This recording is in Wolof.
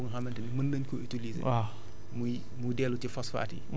mais dafa laaj ndax am na beneen moyen bu nga xamante ni mën nañ ko utiliser